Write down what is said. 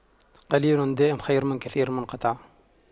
قليل دائم خير من كثير منقطع